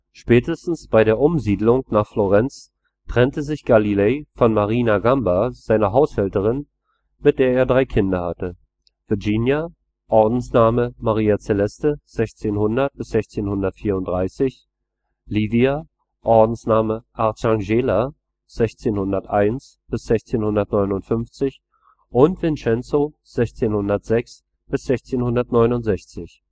Spätestens bei der Umsiedlung nach Florenz trennte sich Galilei von Marina Gamba, seiner Haushälterin, mit der er drei Kinder hatte: Virginia (Ordensname: Maria Celeste; 1600 – 1634), Livia (Ordensname: Arcangela; 1601 – 1659) und Vincenzio (1606 – 1669